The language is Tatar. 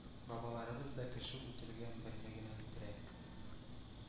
Бабаларыбыз да: кеше үтергән берне генә үтерә,